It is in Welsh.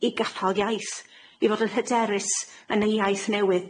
i gaffael iaith, i fod yn hyderus yn y iaith newydd.